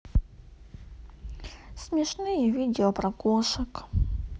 смешные видео про кошек